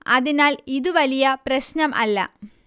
അതിനാൽ ഇതു വലിയ പ്രശ്നം അല്ല